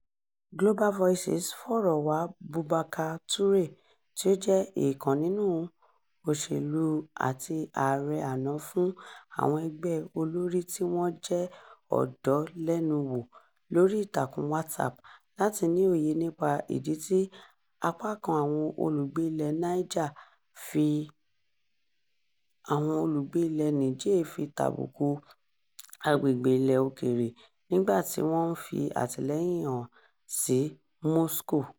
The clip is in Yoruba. Global Voices fọ̀rọ̀wá Boubacar Touré tí ó jẹ́ èèkàn nínú òṣèlú àti ààrẹ àná fún àwọn ẹgbẹ́ olórí tí wọ́n jẹ́ ọ̀dọ́ lẹ́nu wò lórí ìtàkùn Whatsapp láti ní òye nípa ìdí tí apá kan àwọn olùgbé ilẹ̀ Niger fi tàbùkù àgbègbè ilẹ̀ òkèèrè nígbà tí wọ́n ń fi àtìlẹ́yìn hàn sí Moscow.